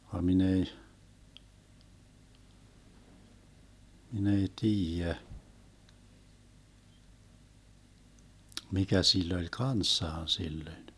vaan minä ei minä ei tiedä mikä sillä oli kanssaan silloin